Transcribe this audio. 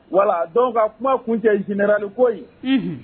Wala dɔn ka kuma kun cɛ jɛnli ko yen